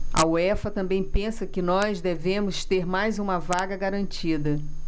a uefa também pensa que nós devemos ter mais uma vaga garantida